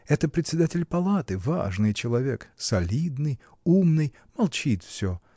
Это председатель палаты, важный человек: солидный, умный, молчит всё